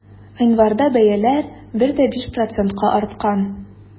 Гыйнварда бәяләр 1,5 процентка арткан.